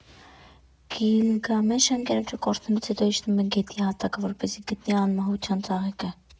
Գիլգամեշը՝ ընկերոջը կորցնելուց հետո իջնում է գետի հատակը, որպեսզի գտնի անմահության ծաղիկը…